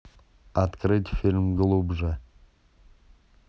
открыть фильм глубже